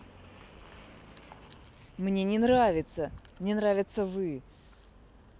мне не нравится мне нравятся вы